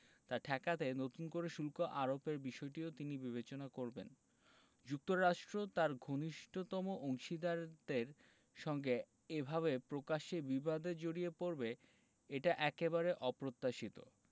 তা ঠেকাতে নতুন করে শুল্ক আরোপের বিষয়টিও তিনি বিবেচনা করবেন যুক্তরাষ্ট্র তার ঘনিষ্ঠতম অংশীদারদের সঙ্গে এভাবে প্রকাশ্যে বিবাদে জড়িয়ে পড়বে এটি একেবারে অপ্রত্যাশিত